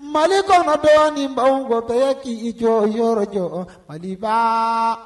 Mali tɔtɔ ni bawanwkɔtɔya k'i jɔyɔrɔ jɔ hali fa